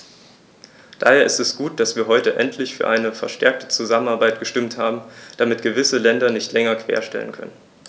Daher ist es gut, dass wir heute endlich für eine verstärkte Zusammenarbeit gestimmt haben, damit gewisse Länder sich nicht länger querstellen können.